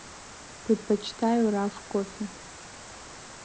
предпочитаю раф кофе